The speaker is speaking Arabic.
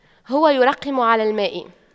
هو يرقم على الماء